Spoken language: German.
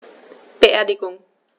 Beerdigung